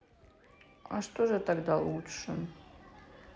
а что же тогда лучше